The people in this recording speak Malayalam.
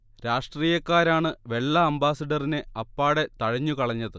രാഷ്ട്രീയക്കാരാണ് വെള്ള അംബാസഡറിനെ അപ്പാടെ തഴഞ്ഞു കളഞ്ഞത്